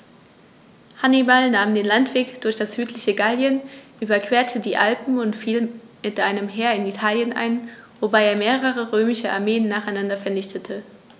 Hannibal nahm den Landweg durch das südliche Gallien, überquerte die Alpen und fiel mit einem Heer in Italien ein, wobei er mehrere römische Armeen nacheinander vernichtete.